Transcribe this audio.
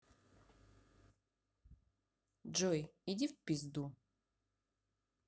джой иди в пизду